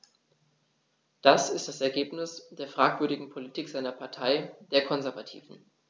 Das ist das Ergebnis der fragwürdigen Politik seiner Partei, der Konservativen.